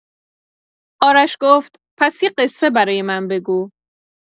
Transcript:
آرش گفت: پس یه قصه برای من بگو.